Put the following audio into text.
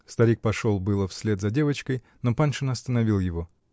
Старик пошел было вслед за девочкой, но Паншин остановил его.